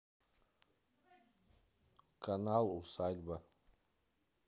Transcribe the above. канал усадьба